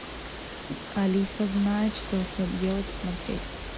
алиса знает что делать смотреть